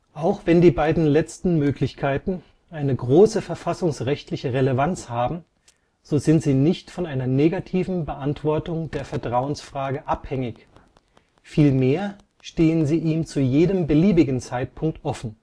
Auch wenn die beiden letzten Möglichkeiten eine große verfassungsrechtliche Relevanz haben, so sind sie nicht von einer negativen Beantwortung der Vertrauensfrage abhängig, vielmehr stehen sie ihm zu jedem beliebigen Zeitpunkt offen